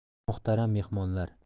muhtaram mehmonlar